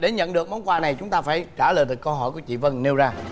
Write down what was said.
để nhận được món quà này chúng ta phải trả lời được câu hỏi của chị vân nêu ra